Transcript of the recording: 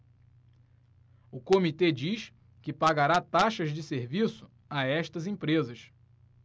o comitê diz que pagará taxas de serviço a estas empresas